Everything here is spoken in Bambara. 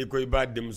I ko i b'a denmuso